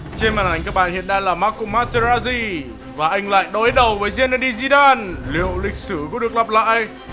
trên màn ảnh các bạn hiện đang là mác cô ma tơ ra di và anh lại đối đầu với den na đi di đan liệu lịch sử có được lặp lại